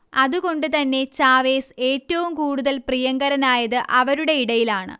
അതുകൊണ്ടുതന്നെ ചാവേസ് ഏറ്റവും കൂടുതൽ പ്രിയങ്കരനായത് അവരുടെ ഇടയിലാണ്